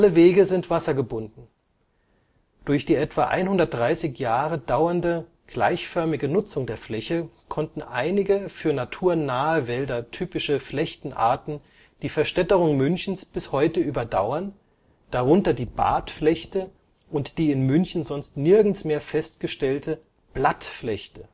Wege sind wassergebunden. Durch die etwa 130 Jahre dauernde gleichförmige Nutzung der Fläche konnten einige für naturnahe Wälder typische Flechtenarten die Verstädterung Münchens bis heute überdauern, darunter die Bartflechte und die in München sonst nirgends mehr festgestellte Blattflechte